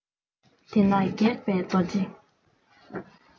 དེས ན སྒེག པའི རྡོ རྗེ